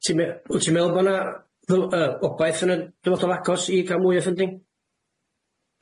Ti'n me- wyt ti'n me'wl bo' 'na ddyl- yy wbath yn y dyfodol agos i ga'l mwy o ffynding?